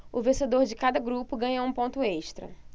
o vencedor de cada grupo ganha um ponto extra